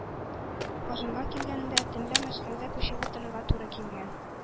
Казанга килгәндә, төнлә Мәскәүдә күчеп утырырга туры килгән,